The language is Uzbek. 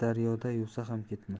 daryoda yuvsa ham ketmas